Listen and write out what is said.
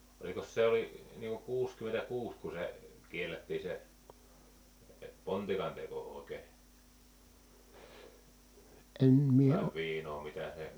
olikos se oli niin kuin kuusikymmentäkuusi kun se kiellettiin se pontikanteko oikein viinaa mitä se